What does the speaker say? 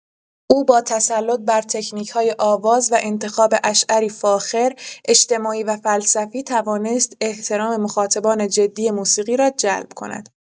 او با تسلط بر تکنیک‌های آواز و انتخاب اشعاری فاخر، اجتماعی و فلسفی توانسته احترام مخاطبان جدی موسیقی را جلب کند.